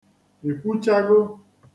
I kwuchago?